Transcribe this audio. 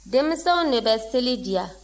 denmisɛnw de bɛ seli diya